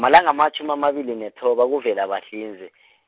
malanga amatjhumi amabili nethoba kuVelabahlinze .